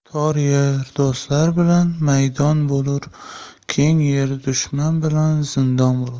tor yer do'stlar bilan maydon bo'lur keng yer dushman bilan zindon